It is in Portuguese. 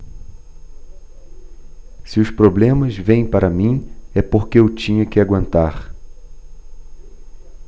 se os problemas vêm para mim é porque eu tinha que aguentar